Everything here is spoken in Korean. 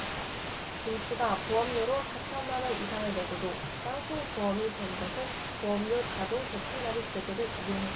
김씨가 보험료로 사천 만원 이상을 내고도 깡통보험이 된 것은 보험료 자동 대체납입제도를 이용했기 때문이다